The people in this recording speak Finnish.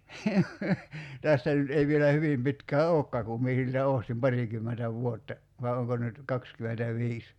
tästä nyt ei vielä hyvin pitkää olekaan kun minä siltä ostin parikymmentä vuotta vai onko nyt kaksikymmentäviisi